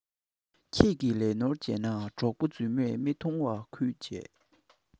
ཁྱེད ཀྱི ལས ནོར བྱས ནས གྲོགས པོ རྫུན མས མི མཐོང ཁུལ བྱེད